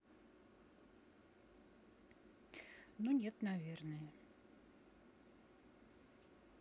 ну нет наверное